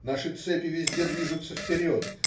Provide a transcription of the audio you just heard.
Наши цепи везде движутся вперед.